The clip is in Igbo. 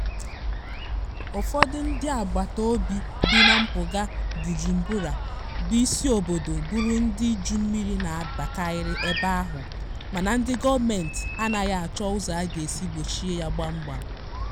Ụfọdụ ndị agbataobi bi na mpụga Bujumbura, bụ isi obodo Burundi, iju mmiri na-abaịakarị ebe ahụ mana ndị gọọmenti anaghị achọ ụzọ a ga-esi gbochie ya gbam gbam.